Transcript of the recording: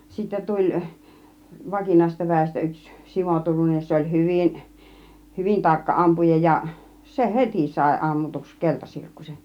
sitten tuli vakinaisesta väestä yksi Simo Turunen ja se oli hyvin hyvin tarkka ampuja ja se heti sai ammutuksi keltasirkkusen